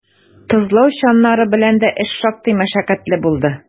Тозлау чаннары белән дә эш шактый мәшәкатьле булды.